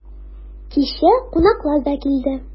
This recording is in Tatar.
Кичә кунаклар да килде.